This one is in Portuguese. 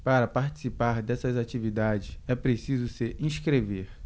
para participar dessas atividades é preciso se inscrever